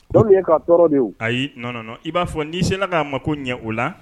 Kɔni ye k'a tɔɔrɔ de o ayi non non non i b'a fɔ ni sera k'a mako ɲɛ o la